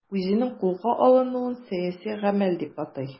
Үзенең кулга алынуын сәяси гамәл дип атый.